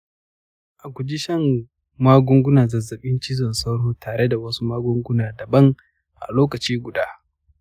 a guji shan magungunan zazzabin cizon sauro tare da wasu magungunan daban a lokaci guda.